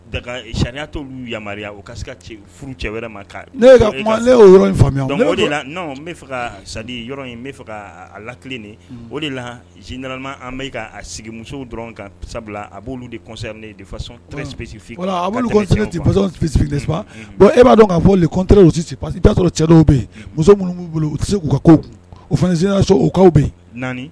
Sariyaaniyatɔ yama o furu cɛ wɛrɛ ma kari ne kuma y' in de la fɛ ka sadi yɔrɔ in n fɛ laki o de la z an bɛ ka sigi dɔrɔn ka sabula a b'olu de kɔsɔn desɔnsisɔnsi saba e b'a dɔn k' fɔtesi pa quesi t'a sɔrɔ cɛ dɔw bɛ yen muso minnu' bolo u tɛ se k'u ka ko u fana' sɔrɔ ukaw bɛ naani